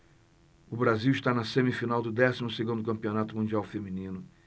o brasil está na semifinal do décimo segundo campeonato mundial feminino